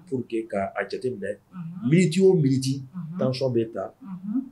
Pour que ka a jate minɛ unhun minute o minute tension bɛ taa unhun